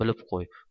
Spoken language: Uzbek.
bilib qo'y